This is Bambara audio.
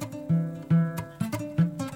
San yo